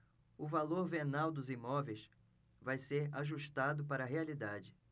o valor venal dos imóveis vai ser ajustado para a realidade